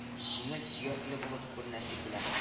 Җиңел сөякле булып күренәсе килә